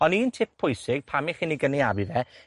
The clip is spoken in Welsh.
On' un tip pwysig, pan 'ych chi'n 'i gynaeafu fe,